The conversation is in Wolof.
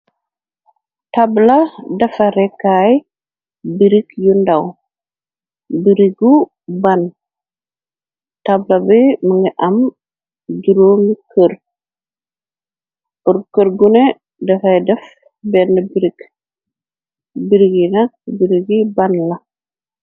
Tabula defa rekkaay birig yu ndaw, birigu bàn. Tabula bi mënga am juróonu kër , kërgune defay def bn birg birigina birigi ban la.